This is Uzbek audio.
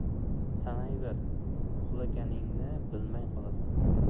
sanayver uxlaganingni bilmay qolasan